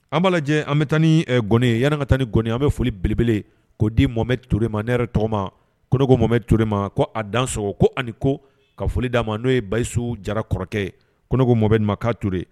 An b' lajɛ an bɛ taa ni goni yan ka taa ni goni an bɛ foli belebele koo di mɔmɛ t toure ma ne yɛrɛ tɔgɔ ma koko mɔmɛ t toe ma ko a danso ko ani ko ka foli d'a ma n'o ye basisiw jara kɔrɔkɛ koko mɔmɛ ma kaure